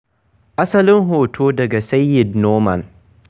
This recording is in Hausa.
Asalin hoto daga Syed Noman.